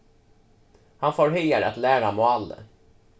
hann fór hagar at læra málið